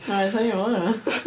Oes, o'n i'n meddwl hynna .